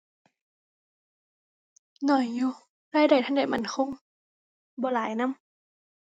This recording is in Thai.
น้อยอยู่ รายได้ทันได้มั่นคง บ่หลายนำ